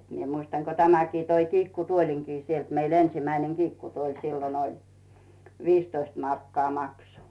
minä muistan kun tämäkin toi kiikkutuolinkin sieltä meillä ensimmäinen kiikkutuoli silloin oli viisitoista markkaa maksoi